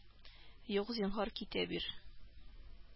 Юк, зинһар, китә бир